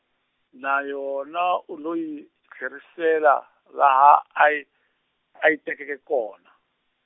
na yona u lo yi tlherisela laha a yi, a yi tekeke kona.